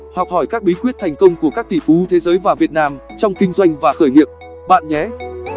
học hỏi các bí quyết thành công của các tỷ phú thế giới và việt nam trong kinh doanh và khởi nghiệp bạn nhé